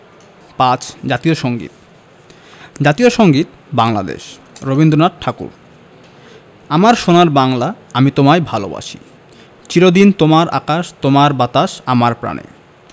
০৫ জাতীয় সংগীত জাতীয় সংগীত বাংলাদেশ রবীন্দ্রনাথ ঠাকুর আমার সোনার বাংলা আমি তোমায় ভালোবাসি চির দিন তোমার আকাশ তোমার বাতাস আমার প্রাণে